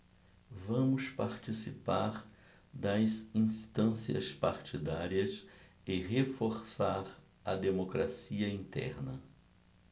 vamos participar das instâncias partidárias e reforçar a democracia interna